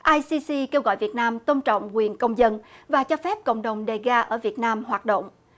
ai xi xi kêu gọi việt nam tôn trọng quyền công dân và cho phép cộng đồng đề ga ở việt nam hoạt động